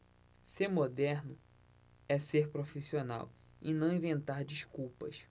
ser moderno é ser profissional e não inventar desculpas